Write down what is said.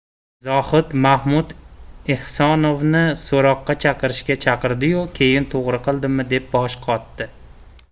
zohid mahmud ehsonovni so'roqqa chaqirishga chaqirdi yu keyin to'g'ri qildimmi deb boshi qotdi